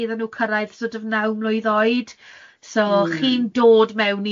iddyn nhw cyrraedd sort of naw mlwydd oed, so chi'n dod mewn